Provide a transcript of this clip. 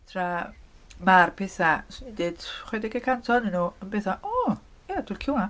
Tra, ma'r petha, 'swn i'n dweud chwe deg y cant ohonyn nhw yn betha, o, ia, dwi'n licio hwnna.